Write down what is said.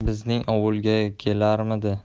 bizning ovulga kelarmidi